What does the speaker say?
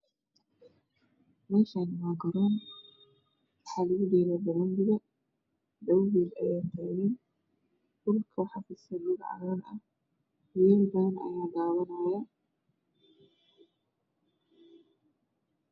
Meeshaan waa garoon waxa lugu dheelaayaa banooni labo wiil ayaa jooga dhulka waxaa fidsan roog cagaaran wiilal badan ayaa daawanaayo.